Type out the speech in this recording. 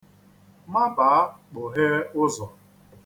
Mabaa kpọghee ụzọ.